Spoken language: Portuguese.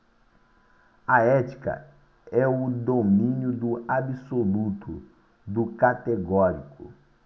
a ética é o domínio do absoluto do categórico